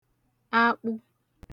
akpụ